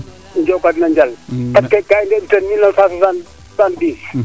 im jokoden a njal